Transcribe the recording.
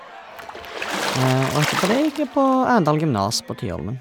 Og etterpå det gikk jeg på Arendal Gymnas på Tyholmen.